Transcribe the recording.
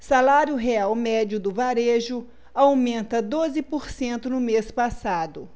salário real médio do varejo aumenta doze por cento no mês passado